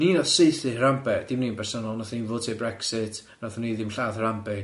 Ni wnaeth saethu Hirame ddim ni'n bersonol wnaethon ni'n fowtio Brexit wnaethon ni ddim lladd Hirame.